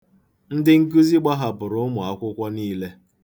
Ndị nkụzi gbahapụrụ ụmụ akwụkwọ niile.